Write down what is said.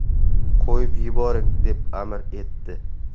qo'yib yuboring deb amr etdi